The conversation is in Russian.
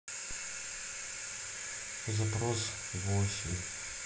запрос восемь